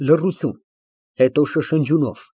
Լռություն։ Հետո շշնջյունով)։